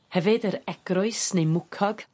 hefyd yr egrwys neu mwcog